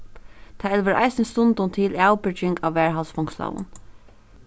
tað elvir eisini stundum til avbyrging av varðhaldsfongslaðum